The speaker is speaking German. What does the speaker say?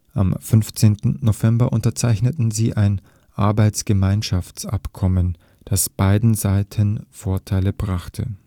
Am 15. November unterzeichneten sie ein Arbeitsgemeinschaftsabkommen, das beiden Seiten Vorteile brachte